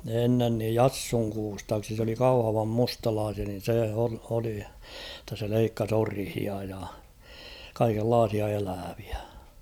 ennen niin Jassun Kustaaksi se oli Kauhavan mustalaisia niin se oli jotta se leikkasi orhia ja kaikenlaisia eläviä